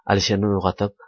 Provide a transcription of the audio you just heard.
alisherni uyg'otib